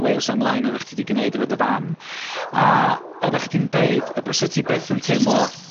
Wales Online oeddach chdi 'di gneud efo dy fam a oddach chdi'n deud y bysa ti byth yn teimlo